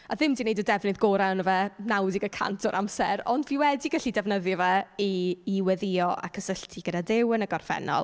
A ddim 'di wneud y defnydd gorau ohono fe naw deg y cant o'r amser. Ond fi wedi gallu defnyddio fe i i weddïo a cysylltu gyda Duw yn y gorffennol.